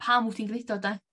pam w't ti'n gneud o de?